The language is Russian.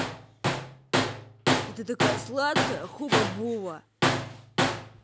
а ты такая сладкая хуба буба